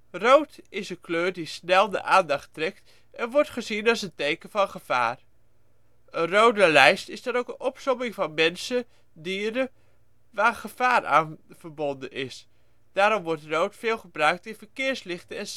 Rood is een kleur die snel de aandacht trekt, en wordt gezien als een teken van gevaar. Een rode lijst is dan ook een opsomming van mensen, dieren,... waar gevaar aan verbonden is. Daarom wordt rood veel gebruikt in verkeerslichten